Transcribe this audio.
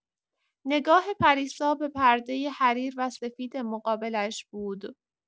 نگاه پریسا به پردۀ حریر و سفید مقابلش بود.